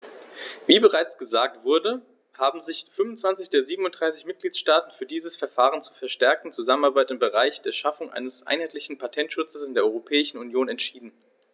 Wie bereits gesagt wurde, haben sich 25 der 27 Mitgliedstaaten für dieses Verfahren zur verstärkten Zusammenarbeit im Bereich der Schaffung eines einheitlichen Patentschutzes in der Europäischen Union entschieden.